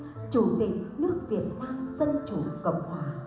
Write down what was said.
chủ tịch nước việt nam dân chủ cộng hòa